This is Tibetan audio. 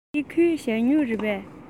འདི ཁོའི ཞ སྨྱུག རེད པས